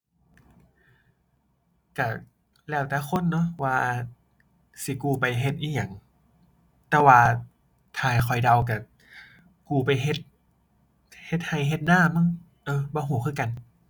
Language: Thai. ก็แล้วแต่คนเนาะว่า สิกู้ไปเฮ็ดอิหยัง แต่ว่าถ้าให้ข้อยเดาก็กู้ไปเฮ็ด เฮ็ดก็เฮ็ดนามั้ง เออ บ่ก็คือกัน